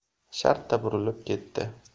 shartta burilib ketdi